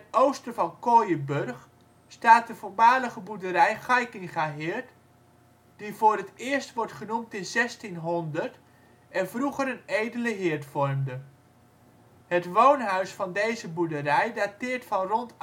oosten van Kooienburg staat de voormalige boerderij Gaykingaheerd, die voor het eerst wordt genoemd in 1600 en vroeger een edele heerd vormde. Het woonhuis van deze boerderij dateert van rond